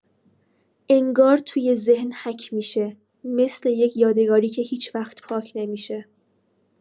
انگار توی ذهن حک می‌شه، مثل یه یادگاری که هیچ‌وقت پاک نمی‌شه.